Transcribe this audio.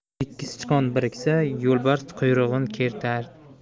ikki sichqon biriksa yo'lbars quyrug'in kertar